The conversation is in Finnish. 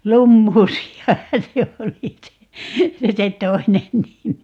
lumuusiahan se oli se se toinen nimi